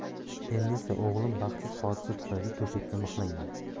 endi esa o'g'lim baxtsiz hodisa tufayli to'shakka mixlangan